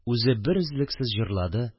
Үзе берөзлексез җырлады